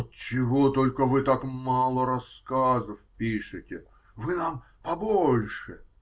Отчего только вы так мало рассказов пишете? Вы нам побольше.